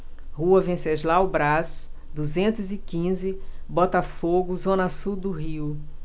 rua venceslau braz duzentos e quinze botafogo zona sul do rio